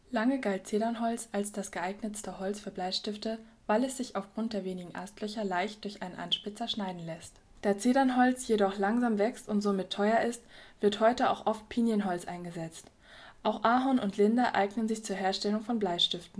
Lange galt Zedernholz als das geeignetste Holz für Bleistifte, weil es sich aufgrund der wenigen Astlöcher leicht durch einen Anspitzer schneiden lässt. Da Zedernholz jedoch langsam wächst und somit teuer ist, wird heute auch oft Pinienholz eingesetzt. Auch Ahorn und Linde eignen sich zur Herstellung von Bleistiften